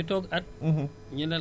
ñu toog at